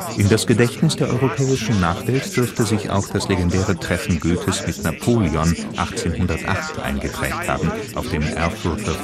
In das Gedächtnis der europäischen Nachwelt dürfte sich auch das legendäre Treffen Goethes mit Napoleon 1808 eingeprägt haben, auf dem Erfurter